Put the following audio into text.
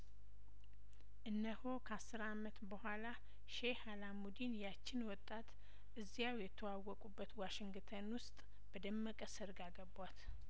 እነሆ ከአስር አመት በኋላ ሼህ አላሙዲን ያቺን ወጣት እዚያው የተዋወቁበት ዋሽንግተን ውስጥ በደመቀ ሰርግ አገቧት